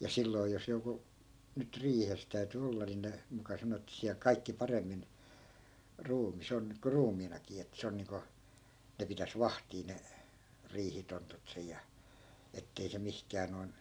ja ja silloin jos joku nyt riihessä täytyi olla niin ne muka sanoi että siellä kaikki paremmin ruumis on nyt kuin ruumiinakin että se on niin kuin ne pitäisi vahtia ne riihitontut siellä ja että ei se mihinkään noin